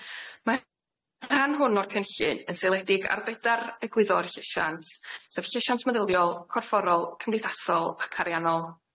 Mae'r rhan hwn o'r cynllun yn seiliedig ar bedar egwyddor llesiant sef llesiant meddyliol, corfforol, cymdeithasol ac ariannol.